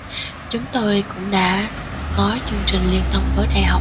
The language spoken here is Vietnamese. chúng tôi cũng đã có chương trình liên thông với đại học